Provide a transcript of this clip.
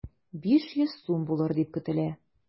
500 сум булыр дип көтелә.